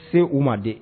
Se u ma di